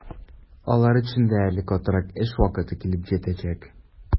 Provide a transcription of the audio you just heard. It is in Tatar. Алар өчен дә әле катырак эш вакыты килеп җитәчәк.